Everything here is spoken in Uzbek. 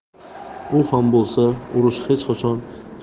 u ham bo'lsa urush hech qachon